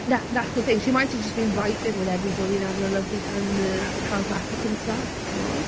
That that's the thing she might have just been vibing with everybody and having a lovely time in the South African sun timod.